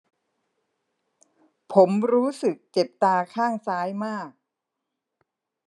ผมรู้สึกเจ็บตาข้างซ้ายมาก